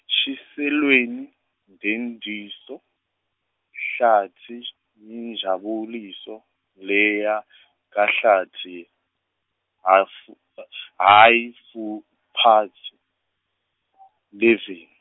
Shiselweni, Nediso, Hlatsi yiNjabuliso leya , kaHlatsi hhaf- , hhafuphasi leveni.